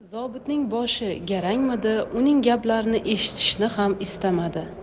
zobitning boshi garangmidi uning gaplarini eshitishni ham istamadi